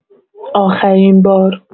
آخرین‌بار